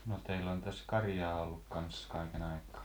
no teillä on tässä karjaa ollut kanssa kaiken aikaa